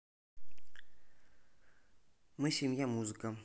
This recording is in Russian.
мы семья музыка